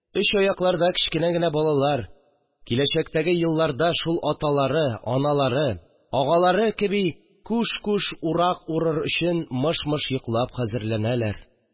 Өчаякларда кечкенә генә балалар, киләчәктәге елларда шул аталары, аналары, агалары кеби, күш-күш урак урыр өчен мыш-мыш йоклап хәзерләнәләр